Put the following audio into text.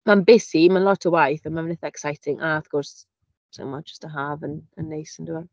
Ma'n busy, ma'n lot o waith a ma' fe'n eitha exciting. A wrth gwrs, sa i'n gwbod, jyst y haf yn neis yndyw e?